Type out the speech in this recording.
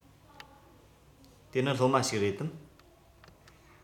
དེ ནི སློབ མ ཞིག རེད དམ